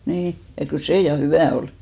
niin ja kyllä se ja hyvää oli